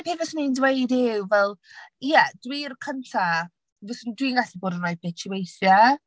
Y peth fyswn i'n dweud yw fel, "ie, dwi'r cynta. Faswn i... dwi'n gallu bod yn reit bitchy weithiau.